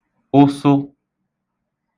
ụsụ